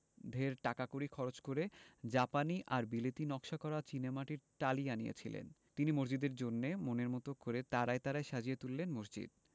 ঢের টাকাকড়ি খরচ করে জাপানি আর বিলেতী নকশা করা চীনেমাটির টালি আনিয়েছিলেন তিনি মসজিদের জন্যে মনের মতো করে তারায় তারায় সাজিয়ে তুললেন মসজিদ